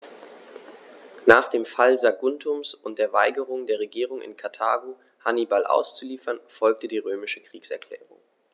Nach dem Fall Saguntums und der Weigerung der Regierung in Karthago, Hannibal auszuliefern, folgte die römische Kriegserklärung.